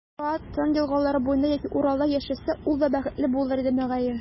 Ра, Тын елгалары буенда яки Уралда яшәсә, ул да бәхетле булыр иде, мөгаен.